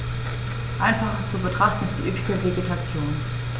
Einfacher zu betrachten ist die üppige Vegetation.